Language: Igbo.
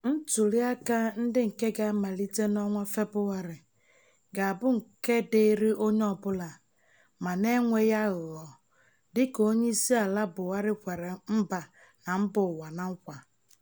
Obasanjo, odee akwụkwọ ozi?